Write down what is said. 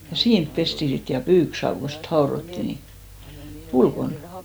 ja siinä pestiin sitten ja pyykkisaavi kun sitten haudottiin niin ulkona